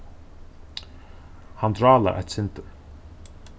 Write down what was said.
hann drálar eitt sindur